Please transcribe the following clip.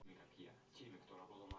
все пизда ебаная